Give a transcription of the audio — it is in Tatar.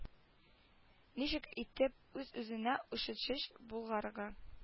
Ничек итеп үз-үзеңә ышышыч булгарырга